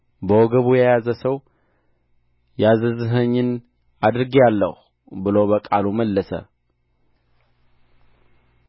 በወገቡ የያዘው ሰው ያዘዝኸኝን አድርጌአለሁ ብሎ በቃሉ መለሰ